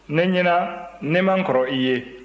ne ɲɛna ne man kɔrɔ i ye